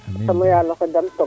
yasam o yaal oxe damtong